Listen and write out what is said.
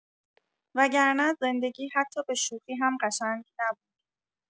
وگرنه زندگی حتی به‌شوخی هم قشنگ نبود.